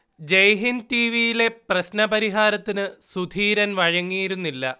ജയ്ഹിന്ദ് ടിവിയിലെ പ്രശ്ന പരിഹാരത്തിന് സുധീരൻ വഴങ്ങിയിരുന്നില്ല